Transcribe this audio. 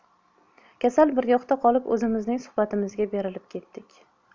kasal bir yoqda qolib o'zimizning suhbatimizga berilib ketdik